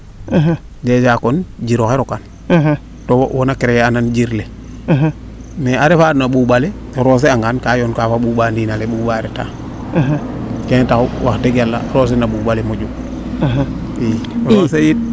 dejas kon jir oxey rokan to wo wona creer a nan jer le mais a refa na ɓuɓale o roose angaan kaa yoon kaa fa ɓuɓaniina le a ɓuuɓa retaa keene taxu wax deg yala roose na ɓuuɓa le moƴu i